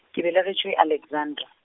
ke belegetšwe Alexandra.